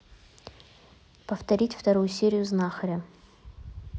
повторить вторую серию знахаря